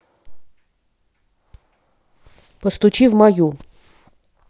постучи в мою